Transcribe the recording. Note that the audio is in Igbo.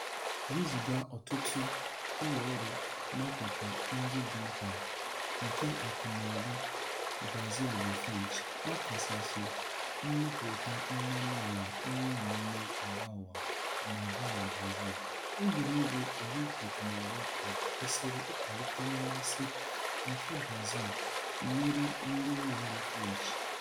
Wezuga na ọtụtụ ụlọọrụ n'akụkụ ndị dị mkpa nke akụnaụba Brazil bụ French (ọkachasị mmịpụta mmanụ ala), iheomume mbaụwa na-abịa na Brazil (Egwuregwu Olympic na World Cup) kwesịrị ịkwalite mmasị nke Brazil nyere ndị ụlọọrụ French.